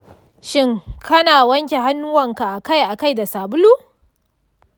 shin kana wanke hannuwanka akai-akai da sabulu?